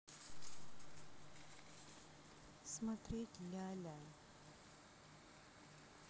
смотреть ляля